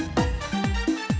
với